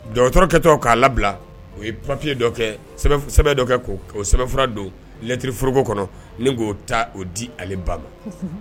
Don dɔgɔtɔrɔkɛtɔ k'a labila o ye papiye sɛbɛ dɔ kɛ o sɛf fura don lɛttiririforoko kɔnɔ ni k'o ta o di ale ba ma